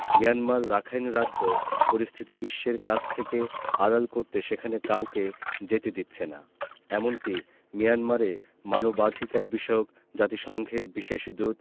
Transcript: Myanmar Rakhine রাজ্য পরিস্থিতি বিশ্বের কাছ থেকে আড়াল করতে সেখানে কাউকে যেতে দিচ্ছে না এমনকি মিয়ানমারে মানবাধিকারবিষয়ক জাতিসংঘের বিশেষ দূত